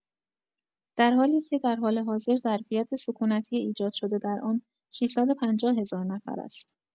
در حالی‌که در حال حاضر ظرفیت سکونتی ایجاد شده درآن ۶۵۰۰۰۰ نفر است.